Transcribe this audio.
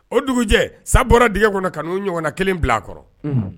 O dugujɛ sabula bɔra dgɛ kɔnɔ kanu n'u ɲɔgɔnna kelen bila kɔrɔ